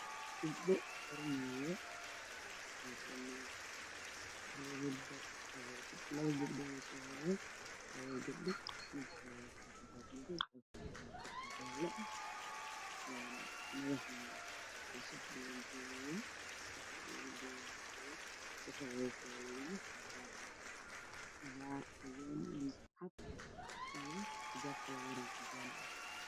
Meeshan waxaa fadhiya gabdho farabadan waxa ay qabaan xijaabo midbadoodu yihiin madow caddaan qaxwi gabar ayaa kursi ku fadhida mid ayaa dul taagan oo madaxa u galineyso wax